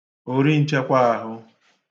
ori nchekwa ahụ̀